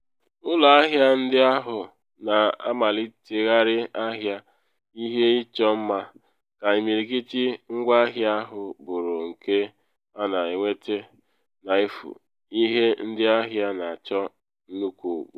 Ụlọ ahịa ndị ahụ na amalitegharị ahịa ihe ịchọ mma, ka imirikiti ngwaahịa ahụ bụrụ nke a na-enwete n'efu - ihe ndị ahịa na-achọ nnukwu ugbua.